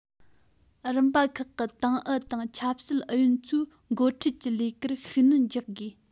རིམ པ ཁག གི ཏང ཨུ དང ཆབ སྲིད ཨུ ཡོན ཚོས འགོ ཁྲིད ཀྱི ལས ཀར ཤུགས སྣོན རྒྱག དགོས